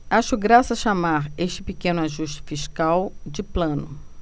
acho graça chamar esse pequeno ajuste fiscal de plano